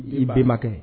I bɛnbakɛ